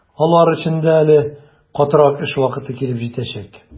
Алар өчен дә әле катырак эш вакыты килеп җитәчәк.